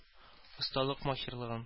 Осталык-маһирлыгын